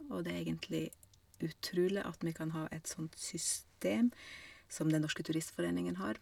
Og det er egentlig utrulig at vi kan ha et sånt system som Den Norske Turistforeningen har.